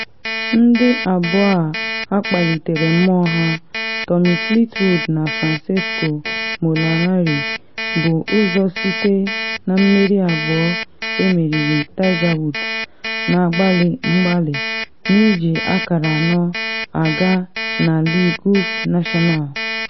Ndị abụọ a akpalitere mmụọ ha, Tommy Fleetwood na Francesco Molinari bu ụzọ site na mmeri abụọ emeriri Tiger Woods n’agbalị mgbalị, n’iji akara anọ aga na Le Golf National.